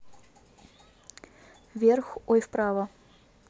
вверх ой вправо